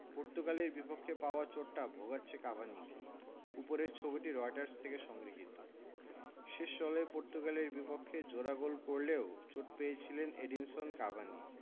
পর্তুগালের বিপক্ষে পাওয়া চোটটা ভোগাচ্ছে কাভানিকে ওপরের ছবিটি রয়টার্স থেকে সংগৃহীত শেষ ষোলোয় পর্তুগালের বিপক্ষে জোড়া গোল করলেও চোট পেয়েছিলেন এডিনসন কাভানি